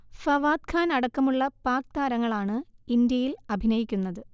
ഫവാദ്ഖാൻ അടക്കമുള്ള പാക് താരങ്ങളാണ് ഇന്ത്യയിൽ അഭിനയിക്കുന്നത്